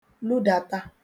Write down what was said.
ludàta